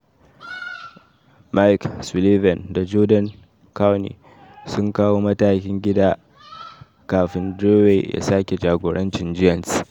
Mike Sullivan da Jordan Cownie sun kawo matakin gida kafin Dwyer ya sake jagorancin Giants.